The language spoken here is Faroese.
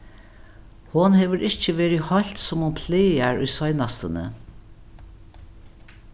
hon hevur ikki verið heilt sum hon plagar í seinastuni